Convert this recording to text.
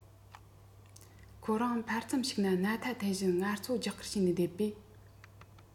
ཁོ རང ཕར ཙམ ཞིག ན སྣ ཐ འཐེན བཞིན ངལ གསོ རྒྱག ཁུལ བྱས ནས བསྟད པས